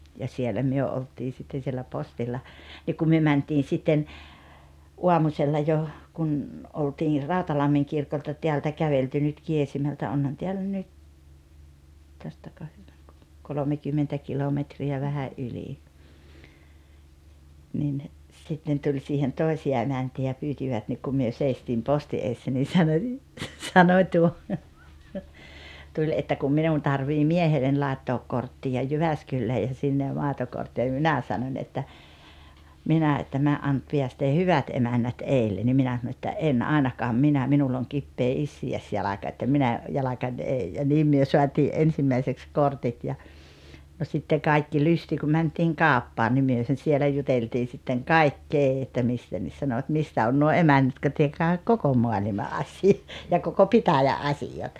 ja siellä me oltiin sitten siellä postilla niin kun me mentiin sitten aamusella jo kun oltiin Rautalammin kirkolta täältä kävelty nyt Kiesimältä onhan täällä nyt tästä - kolmekymmentä kilometriä vähän yli niin sitten tuli siihen toisia emäntiä ja pyysivät niin kun me seisoimme postin edessä niin sanoi niin sanoi tuo tuli että kun minun tarvitsee miehelleni laittaa korttia Jyväskylään ja sinne maitokorttia niin minä sanon että minä että -- päästää hyvät emännät edelle niin minä sanon että en ainakaan minä minulla on kipeä iskiasjalka että en minä jalkani ei ja niin me saatiin ensimmäiseksi kortit ja no sitten kaikki lysti kun mentiin kauppaan niin me sen siellä juteltiin sitten kaikkea että mistä niin sanoivat mistä on nuo emännät jotka tietävät koko maailman - ja koko pitäjän’ asiat